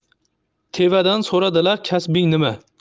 tevadan so'radilar kasbing nima